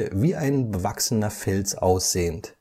wie ein bewachsener Fels aussehend